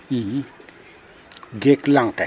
geek lang ke .